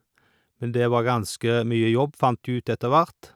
Men det var ganske mye jobb, fant vi ut etter hvert.